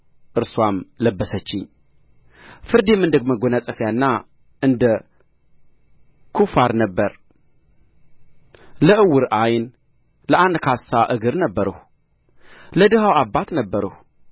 እርስዋም ለበሰችኝ ፍርዴም እንደ መጐናጸፊያና እንደ ኵፋር ነበረ ለዕውር ዓይን ለአንካሳ እግር ነበርሁ ለድሀው አባት ነበርሁ